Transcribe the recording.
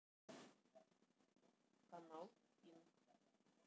канал пинк